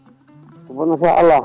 ko bonata ala